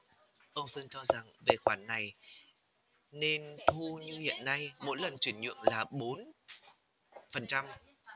ông sơn cho rằng về khoản này nên thu như hiện nay mỗi lần chuyển nhượng là bốn phần trăm